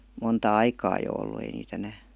monta aikaa jo ollut ei niitä enää